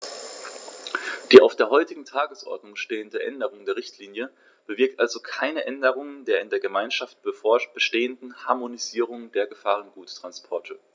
Die auf der heutigen Tagesordnung stehende Änderung der Richtlinie bewirkt also keine Änderung der in der Gemeinschaft bestehenden Harmonisierung der Gefahrguttransporte.